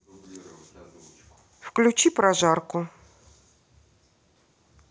включи прожарку